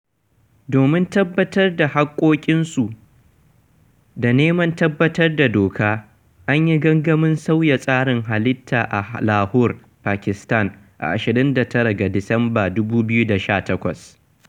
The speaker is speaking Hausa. Domin tabbatar da haƙƙoƙinsu da neman tabbatar da dokar, an yi gangamin sauya tsarin halitta a Lahore, Pakistan, a 29 ga Disamban 2018.